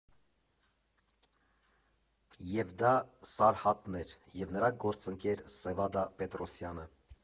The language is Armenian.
Եվ դա Սարհատն էր, և նրա գործընկեր Սևադա Պետրոսյանը։